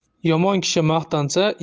yomon kishi maqtansa